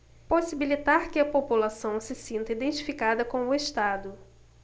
possibilitar que a população se sinta identificada com o estado